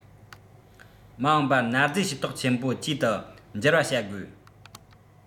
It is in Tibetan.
མ འོངས པར གནའ རྫས ཤེས རྟོགས ཆེན པོ བཅུའི ཏུ འགྱུར བ བྱ དགོས